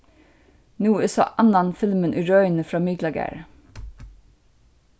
nú eg sá annan filmin í røðini frá miklagarði